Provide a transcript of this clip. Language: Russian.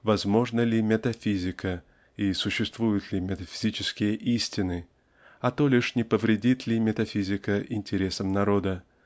возможна ли метафизика и существуют ли метафизические истины а то лишь не повредит. ли метафизика интересам народа